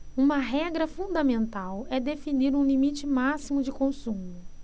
uma regra fundamental é definir um limite máximo de consumo